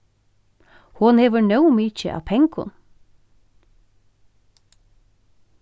hon hevur nóg mikið av pengum